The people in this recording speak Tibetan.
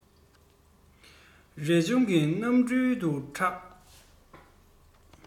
རས ཆུང གི རྣམ སྤྲུལ དུ གྲགས